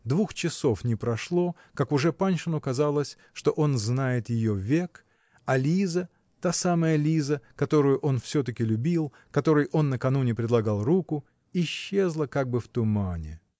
двух часов не прошло, как уже Паншину казалось, что он знает ее век, а Лиза, та самая Лиза, которую он все-таки любил, которой он накануне предлагал руку, -- исчезала как бы в тумане.